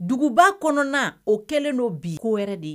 Duguba kɔnɔna na o kɛlen'o bi ko wɛrɛ de ye